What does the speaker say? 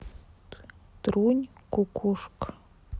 трутень кукушка